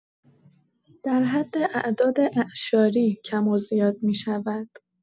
در حد اعداد اعشاری، کم و زیاد می‌شود.